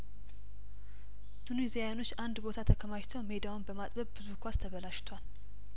ቱኒዚያኖች አንድ ቦታ ተከማችተው ሜዳውን በማጥበብ ብዙ ኳስ ተበላሽቷል